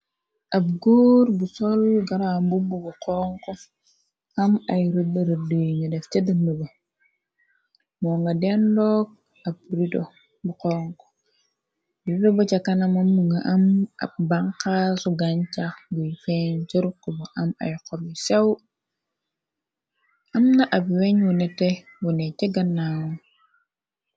Ab góor bu sol garambubbu bu xonk am ay rubërëdu yi ñu def ca dënd ba moo nga den loog ab rdbu xonk rido ba ca kanama mu nga am ab banxaasu gañcax guy fen jërukk bu am ay xom yu sew amna ab weñ wu nete wune cëgannawam.